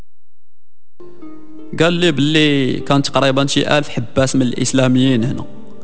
قال لي كم تقريبا باسم الاسلاميين هنا